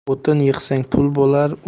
o'tin yig'sang pul bo'lar